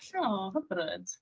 O hyfryd.